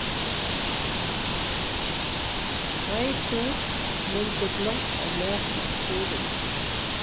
teitur mundi gloymt at læsa hurðina